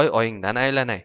oyingdan aylanay